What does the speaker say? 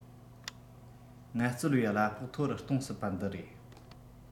ངལ རྩོལ པའི གླ ཕོགས མཐོ རུ གཏོང སྲིད པ འདི རེད